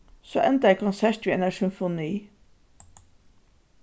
so endaði konsertin við einari symfoni